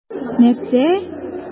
Нәрсә?!